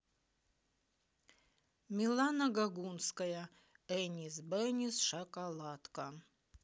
милана гогунская энис бенис шоколадка